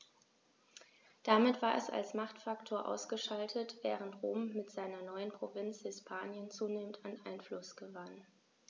Damit war es als Machtfaktor ausgeschaltet, während Rom mit seiner neuen Provinz Hispanien zunehmend an Einfluss gewann.